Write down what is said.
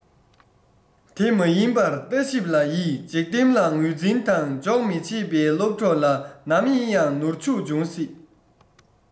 དེ མ ཡིན པར ལྟ ཞིབ ལ ཡིད འཇིག རྟེན ལ ངོས འཛིན དང ཇོག མི བྱེད པའི སློབ གྲོགས ལ ནམ ཡིན ཡང ནོར འཕྱུགས འབྱུང སྲིད